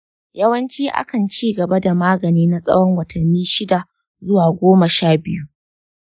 yawanci akan cigaba da magani na tsawon watanni shida zuwa goma sha biyu.